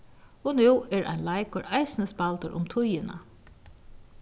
og nú er ein leikur eisini spældur um tíðina